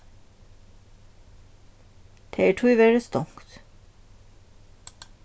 tað er tíverri stongt